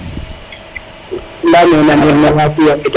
anda me nanir ne yacu yokit o ndik